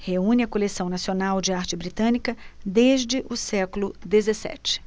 reúne a coleção nacional de arte britânica desde o século dezessete